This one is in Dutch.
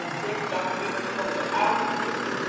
Vught lag immers nog de oude Vughter